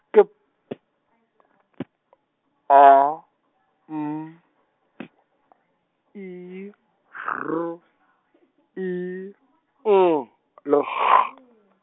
ke P P A M P I R I N le G.